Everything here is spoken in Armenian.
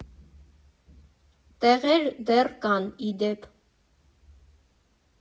Տեղեր դեռ կան, ի դեպ։